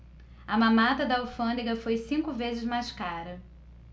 a mamata da alfândega foi cinco vezes mais cara